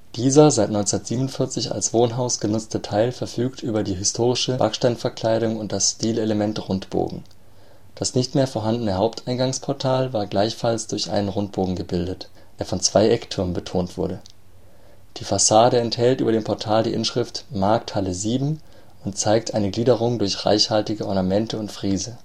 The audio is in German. Dieser seit 1947 als Wohnhaus genutzte Teil verfügt über die historische Backsteinverkleidung und das Stilelement Rundbogen. Das nicht mehr vorhandene Haupteingangsportal war gleichfalls durch einen Rundbogen gebildet, der von zwei Ecktürmen betont wurde. Die Fassade enthält über dem Portal die Inschrift Markthalle VII und zeigt eine Gliederung durch reichhaltige Ornamente und Friese